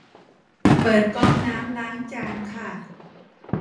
เปิดก๊อกน้ำล้างจานค่ะ